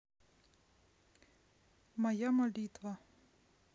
моя молитва